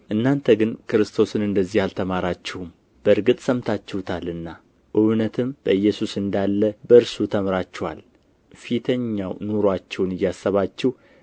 እናንተ ግን ክርስቶስን እንደዚህ አልተማራችሁም በእርግጥ ሰምታችሁታልና እውነትም በኢየሱስ እንዳለ በእርሱ ተምራችኋል ፊተኛ ኑሮአችሁን እያሰባችሁ